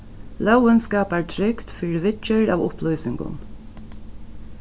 lógin skapar trygd fyri viðgerð av upplýsingum